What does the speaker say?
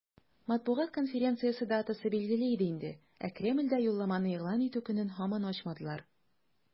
Матбугат конференциясе датасы билгеле иде инде, ә Кремльдә юлламаны игълан итү көнен һаман ачмадылар.